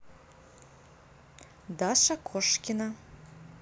даша кошкина